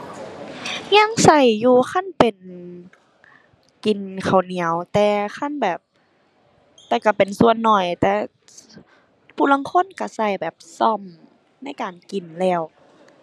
ยังใช้อยู่ คันเป็นกินข้าวเหนียว แต่คันแบบ แต่ใช้เป็นส่วนน้อย แต่ผู้ลางคนใช้ใช้แบบส้อมในการกินแล้ว